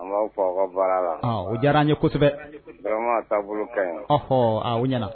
Fɔ an ka baara la o diyara n ye kosɛbɛ ka u ɲɛna